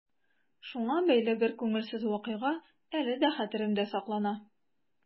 Шуңа бәйле бер күңелсез вакыйга әле дә хәтеремдә саклана.